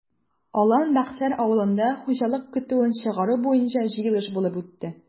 Алан-Бәксәр авылында хуҗалык көтүен чыгару буенча җыелыш булып үтте.